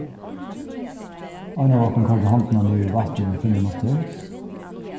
ein av okkum koyrdi hondina niður í vatnið í fimm minuttir